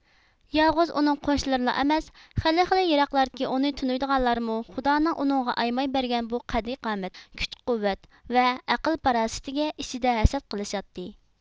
يالغۇز ئۇنىڭ قوشنىلىرىلا ئەمەس خېلى خېلى يىراقلاردىكى ئۇنى تونۇيدىغانلارمۇ خۇدانىڭ ئۇنىڭغا ئايىماي بەرگەن بۇ قەددىي قامەت كۈچ قۇۋۋەت ۋە ئەقىل پاراسىتىگە ئىچىدە ھەسەت قىلىشاتتى